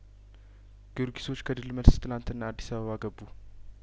ጊዮርጊሶች ከድል መልስ ትላንትና አዲስ አበባ ገቡ